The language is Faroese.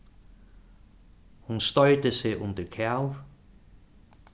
hon stoytir seg undir kav